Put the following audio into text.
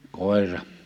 koira